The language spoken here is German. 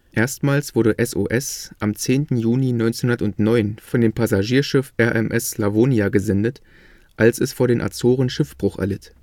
Erstmals wurde SOS am 10. Juni 1909 von dem Passagierschiff RMS Slavonia gesendet, als es vor den Azoren Schiffbruch erlitt